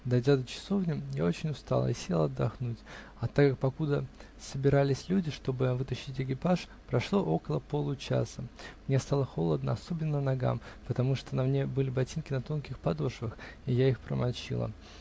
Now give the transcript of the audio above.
Дойдя до часовни, я очень устала и села отдохнуть, а так как, покуда собирались люди, чтоб вытащить экипаж, прошло около получаса, мне стало холодно, особенно ногам, потому что на мне были ботинки на тонких подошвах и я их промочила.